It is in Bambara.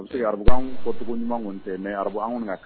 O be se ka arabukan fɔcogo ɲuman ŋɔni tɛ mais arabu anw ŋɔni ŋa ka